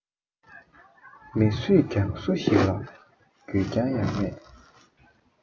མི སུས ཀྱང སུ ཞིག ལ རྒྱུད གང ཡང མེད